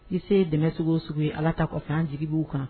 I se dɛmɛ sugu ye ala ta ka fiɲɛ jiribuguw kɔnɔ